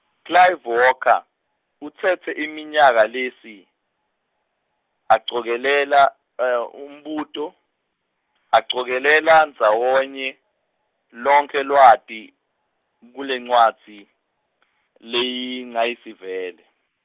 Clive Walker, utsetse iminyaka lesi, acokelela, umbuto, acokelela ndzawonye, lonkhe lwati, n- kulencwadzi , leyingcayizivela.